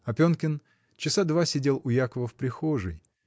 Опенкин часа два сидел у Якова в прихожей.